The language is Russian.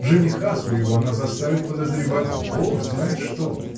Жениха своего она заставит подозревать бог знает что